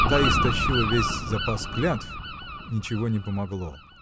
та истощила весь запас клятв: ничего не помогло.